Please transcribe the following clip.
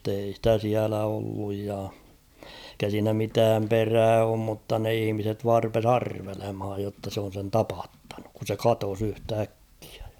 mutta ei sitä siellä ollut ja eikä siinä mitään perää ole mutta ne ihmiset vain rupesi arvelemaan jotta se on sen tapattanut kun se katosi yhtäkkiä ja